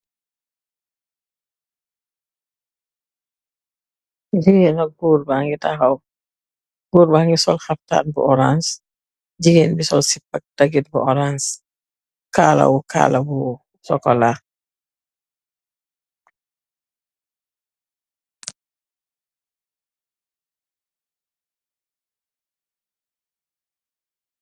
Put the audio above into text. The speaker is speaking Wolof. Gigeen ak gór ba ngi taxaw , gór ba ngi sol xaptan bu orans, gigeen sol zipa ak dagit bu orans, kalahu kala bu sokola.